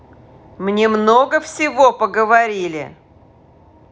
мне много всего поговорили